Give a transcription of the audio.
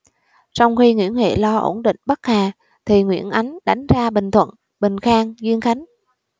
trong khi nguyễn huệ lo ổn định bắc hà thì nguyễn ánh đánh ra bình thuận bình khang diên khánh